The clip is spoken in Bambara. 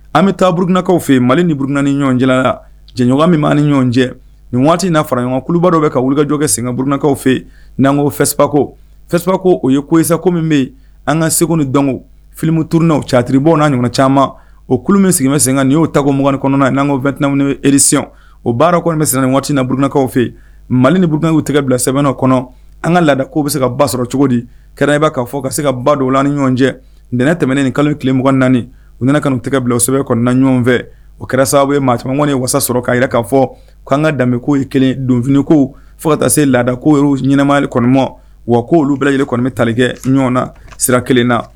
An bɛ taa buruinakaw fɛ mali ni buruan ni ɲɔgɔndiyaya janɲɔgɔn min ni ɲɔgɔn cɛ nin waati na fara ɲɔgɔnɲɔgɔnkuluba dɔw bɛ ka wulikajɔ kɛ sen buruinakaw fɛ nan ko fɛsɛbako fɛsbako o ye kosako min bɛ an ka segu ni dɔn filimu tuurunrinaw catiriri bɔ na ɲɔgɔn caman o kulu min sigilenmɛ sen kan nin'o tako 2ugan2 kɔnɔ n naan2tw ni erisiy o baara kɔnɔ bɛ sinan ni waatiina buruankaw fɛ mali ni buw tɛgɛ bila sɛbɛnbɛnnaw kɔnɔ an ka laada kow bɛ se ka ba sɔrɔ cogo di kɛra'a'a fɔ ka se ka ba dɔw la ni ɲɔgɔn cɛ ntɛnɛn tɛmɛnen ni kalo tile04 u nana kanu u tɛgɛ bila sɛbɛn kɔnɔ na ɲɔgɔn fɛ o kɛra sababu ye maa camang ye wasa sɔrɔ ka' yɛrɛ k ka fɔ k' an ka danbeko ye kelen donfiniko fo kata se laadakoy ɲɛnaɛnɛma kɔnɔma wa ko' olu bɛy kɔnɔmi tali kɛ ɲɔgɔn na sira kelen na